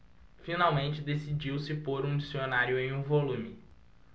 finalmente decidiu-se por um dicionário em um volume